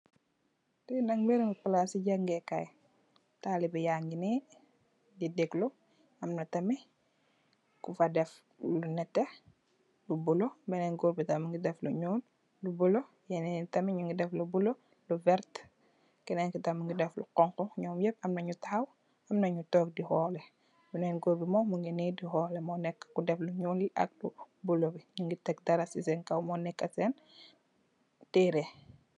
Fii nak beenë b palaasi jangee kaay, taalu be yaa ngi deglu. Am na tamit ku fa def lu nétté ak lu bulo. Benen goor bi tam mu ngi, def lu ñuul, lu bulo. Ñeenen tam ñu ngi, def lu bulo, lu werta. Kenen ki tam mu ngi def lu xoñxu. Ñom ñoop ñu ngi taxaw, am na ñu toog di xoole. Genen Goor gi mom mu ngi toog di xoole. Moo nekkë ku def lu ñuul li ak lu bulo, ñu ngi tek dara si seen kow moo néékë séén, tërrë.